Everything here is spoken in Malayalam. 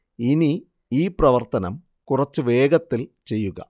ഇനി ഈ പ്രവർത്തനം കുറച്ചു വേഗത്തിൽ ചെയ്യുക